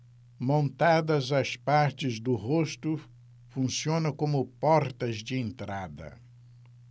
montadas as partes do rosto funcionam como portas de entrada